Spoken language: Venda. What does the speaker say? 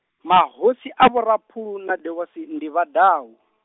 mahosi avho Raphulu na Dewasi ndi Vhadau.